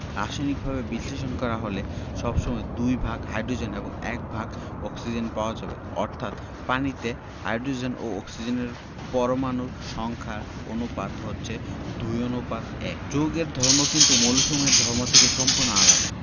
রাসায়নিকভাবে বিশ্লেষণ করা হলে সব সময় দুই ভাগ হাইড্রোজেন এবং এক ভাগ অক্সিজেন পাওয়া যাবে অর্থাৎ পানিতে হাইড্রোজেন ও অক্সিজেনের পরমাণুর সংখ্যার অনুপাত 2 : 1 যৌগের ধর্ম কিন্তু মৌলসমূহের ধর্ম থেকে সম্পূর্ণ আলাদা